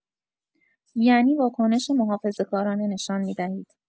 یعنی واکنش محافظه‌کارانه نشان می‌دهید.